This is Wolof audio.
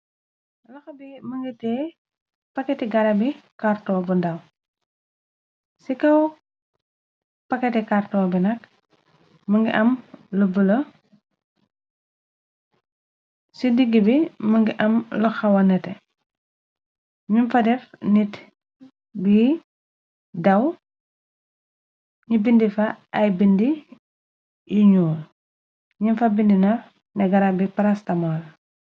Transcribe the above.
loxa bi mënge akti garabi kro b daw ci kaw pakkati karto bi nak mëngi am lu bula ci digg bi mëngi am loxawa nete ñim fa def nit bi daw ñu bindi fa ay bind yiñu ñim fa bindina ne garab bi prastamol